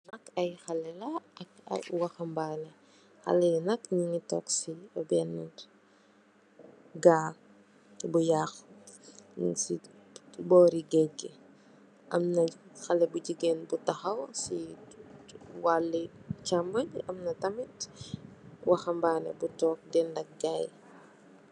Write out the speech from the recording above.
Li nak ay xale la xale ak ay waxambaane xale nak nyugi tog si bena gaal bo yaxu nyun si bori gaag gi amna bena xale bu jigeen bu taxaw si wali cxamun amna tamit waxabane bu tog dendat gaay.